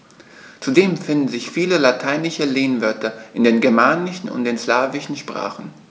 Zudem finden sich viele lateinische Lehnwörter in den germanischen und den slawischen Sprachen.